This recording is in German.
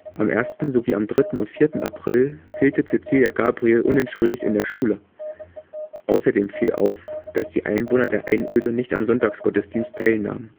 Am 1. sowie am 3. und 4. April fehlte Cäzilia Gabriel unentschuldigt in der Schule. Außerdem fiel auf, dass die Einwohner der Einöde nicht am Sonntagsgottesdienst teilnahmen